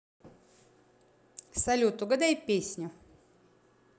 салют угадай песню